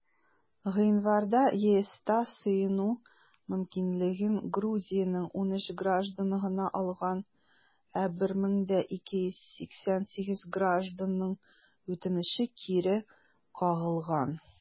Гыйнварда ЕСта сыену мөмкинлеген Грузиянең 13 гражданы гына алган, ә 1288 гражданның үтенече кире кагылган.